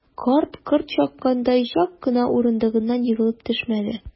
Карт, корт чаккандай, чак кына урындыгыннан егылып төшмәде.